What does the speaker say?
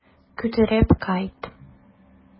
Күтәреп кайт.